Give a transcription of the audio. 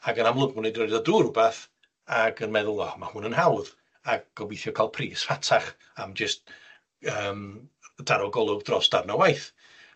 Ag yn amlwg bo' nw 'di roid o drw rwbath ag yn meddwl, Wel, ma' hwn yn hawdd, a gobeithio ca'l pris rhatach am jyst yym daro golwg dros darn o waith.